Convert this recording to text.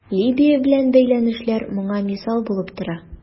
Либия белән бәйләнешләр моңа мисал булып тора.